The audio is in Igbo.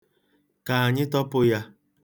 Ka anyị tọpụ ya.